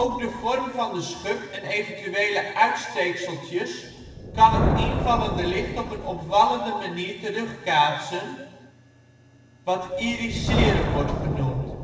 de vorm van de schub en eventuele uitsteekseltjes kan het invallende licht op een opvallende manier terugkaatsen, wat iriseren wordt genoemd